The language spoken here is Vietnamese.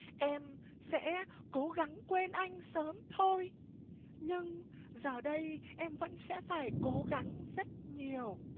em sẽ cố gắng quên anh sớm thôi nhưng giờ đây em vẫn sẽ phải cố gắng rất nhiều